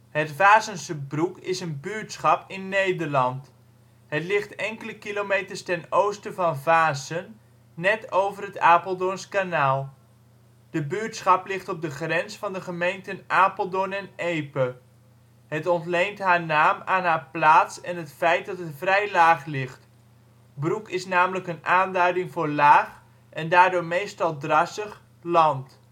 Het Vaassense broek is een buurtschap in Nederland. Het ligt enkele kilometer ten oosten van Vaassen, net over het Apeldoorns kanaal. De buurtschap ligt op de grens van de gemeenten Apeldoorn en Epe. Het ontleent haar naam aan haar plaats en het feit dat het vrij laag ligt. Broek is namelijk een aanduiding voor laag (en daardoor meestal drassig) land